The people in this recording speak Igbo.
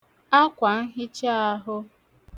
akwànhichaāhụ̄